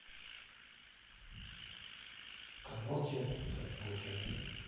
кануки капуки